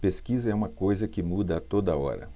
pesquisa é uma coisa que muda a toda hora